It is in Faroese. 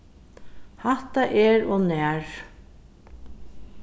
hatta er ov nær